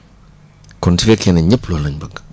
kon su fekee ne ñëpp loolu la ñu bëgg